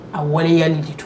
A waleyali de tun